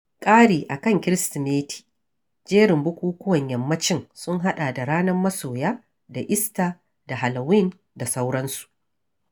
ƙari a kan Kirsimeti, jerin bukukuwan Yammacin sun haɗa da ranar Masoya da Ista da Halowin, da sauransu.